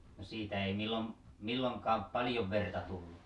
no siitä ei - milloinkaan paljon verta tullut